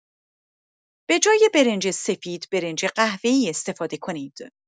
به‌جای برنج سفید، برنج قهوه‌ای استفاده کنید.